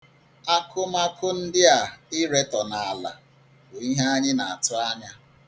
Akụmakụ ndị a iretọ n'ala bụ ihe anyị na-atụ anya.